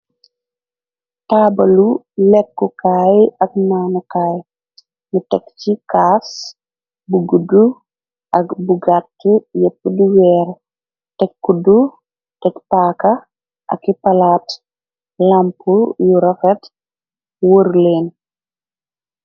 Taabalu lekkukaay ak naanukaay, ñu tek ci kaas bu guddu ak bu gatt yeppu di weer, tek kuddu, tek paaka, aki palaat, lamp yu rafet wurlen.